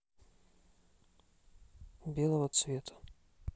белого цвета